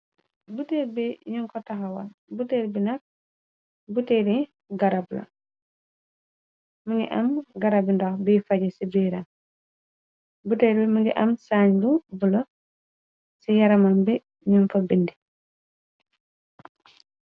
Buteel bi ñu ko taxawal buteel bi nak mi ngi am garabi ndox biy faje ci biira. Buteel bi më ngi am saañ bu bula ci yaramam bi ñun fa bindi.